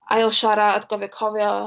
ail siarad, gorfod cofio.